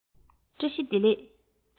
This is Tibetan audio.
ཁ བཏགས དེ སྐེ ལ གཡོགས